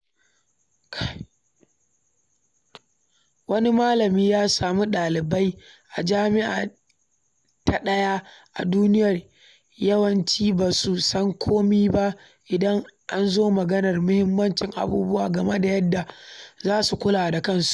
Wani malami ya sami ɗalibai a jami’a ta ɗaya a duniyar yawanci ba su san kome ba idan an zo maganar muhimman abubuwa game da yadda za su kula da kansu.